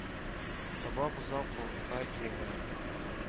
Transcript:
Коба бозау колынга иярә